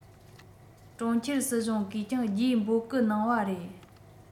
གྲོང ཁྱེར སྲིད གཞུང གིས ཀྱང རྒྱུའི འབོད སྐུལ གནང བ རེད